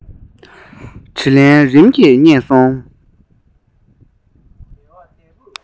དྲིས ལན རིམ གྱིས རྙེད སོང